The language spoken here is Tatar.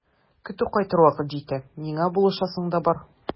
Көтү кайтыр вакыт җитә, миңа булышасың да бар.